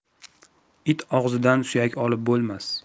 it og'zidan suyak olib bo'lmas